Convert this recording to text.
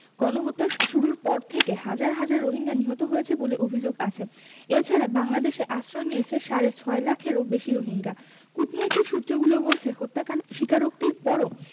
গণহত্যা শুরুর পর থেকে হাজার হাজার রোহিঙ্গা নিহত হয়েছে বলে অভিযোগ আছে এ ছাড়া বাংলাদেশে আশ্রয় নিয়েছে সাড়ে ছয় লাখেরও বেশি রোহিঙ্গা কূটনৈতিক সূত্রগুলো বলছে হত্যাকাণ্ডের স্বীকারোক্তির পরও